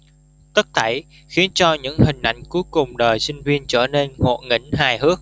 tất thảy khiến cho những hình ảnh cuối cùng đời sinh viên trở nên ngộ nghĩnh hài hước